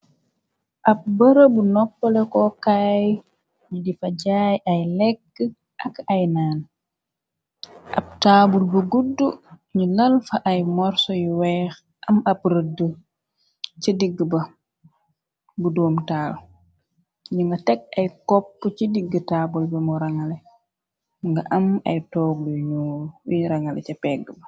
Ab bëra bu noppale kokaay ñu difa jaay ay lekk ak ay naan ab taabul bu guddu ñu lalfa ay morso yu weex am ab rëdd ca digg ba bu doom taal ni nga teg ay kopp ci digg taabul bi mu rangale nga am ay toogluy ñyul yuy rangale ca pegg ba.